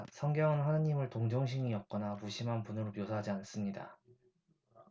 성경은 하느님을 동정심이 없거나 무심한 분으로 묘사하지 않습니다